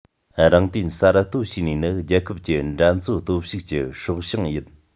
རང བརྟེན གསར གཏོད བྱེད ནུས ནི རྒྱལ ཁབ ཀྱི འགྲན རྩོད སྟོབས ཤུགས ཀྱི སྲོག ཤིང ཡིན